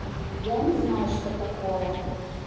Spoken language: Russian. я не знаю что такое